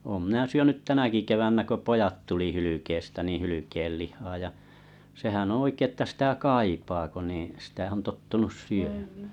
olen minä syönyt tänäkin keväänä kun pojat tuli hylkeestä niin hylkeenlihaa ja sehän on oikein että sitä kaipaa kun niin sitä on tottunut syömään